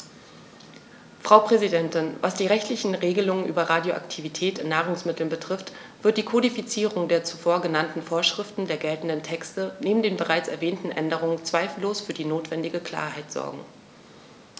Frau Präsidentin, was die rechtlichen Regelungen über Radioaktivität in Nahrungsmitteln betrifft, wird die Kodifizierung der zuvor genannten Vorschriften der geltenden Texte neben den bereits erwähnten Änderungen zweifellos für die notwendige Klarheit sorgen.